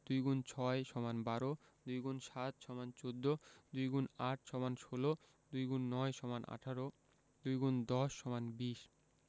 ২ X ৬ = ১২ ২ X ৭ = ১৪ ২ X ৮ = ১৬ ২ X ৯ = ১৮ ২ ×১০ = ২০